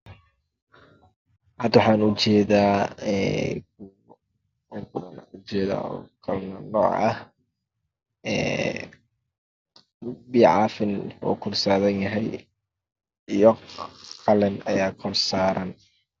Hadda waxaan u jeedaa jartoomo kala nooc ah biyo caafi wuu dul saaran yahay iyo calan ayaa dul saaran